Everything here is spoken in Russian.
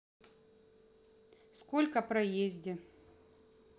сколько проезде